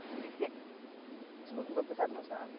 So ma' ma' pythefnos 'da fi.